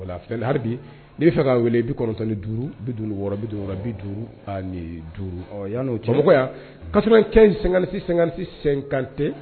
Hali bi n'i b'a fɛ ka n wele 95 56 56 55 bi yani o cɛ Bamako 95 56 56 55